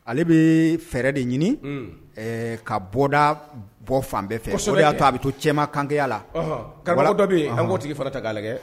Ale bɛ fɛɛrɛ de ɲini ka bɔda bɔ fan bɛɛ fɛ o de y'a to a bɛ to cɛma kankɛya la Kaba ko dɔ bɛ ye an k'o tigi fana ta k'a lajɛ